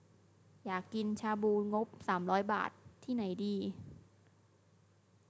อยากกินชาบูงบสามร้อยบาทที่ไหนดี